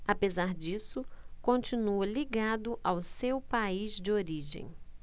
apesar disso continua ligado ao seu país de origem